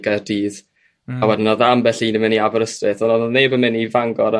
i Gaerdydd a wedyn o'dd ambell un yn mynd i Aberystwyth ond o'dd neb yn mynd i Fangor yn